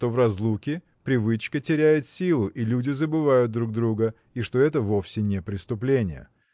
что в разлуке привычка теряет силу и люди забывают друг друга и что это вовсе не преступление.